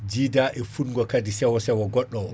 jiida e fungo kaadi sewo sewo godɗo o